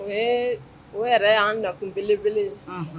O ye o yɛrɛ y'an dakunbelebele